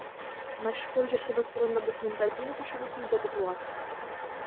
Мәшһүр җырчыбыз турында документаль фильм төшерү күздә тотыла.